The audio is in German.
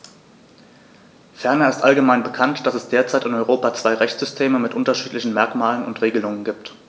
Ferner ist allgemein bekannt, dass es derzeit in Europa zwei Rechtssysteme mit unterschiedlichen Merkmalen und Regelungen gibt.